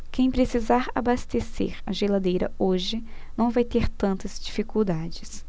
quem precisar abastecer a geladeira hoje não vai ter tantas dificuldades